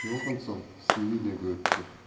yohansson sevilya ga o'tdi